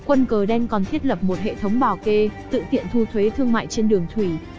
quân cờ đen còn thiết lập một hệ thống bảo kê tự tiện thu thuế thương mại trên đường thủy